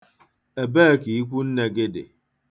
Ebee ka ikwunne gị dị?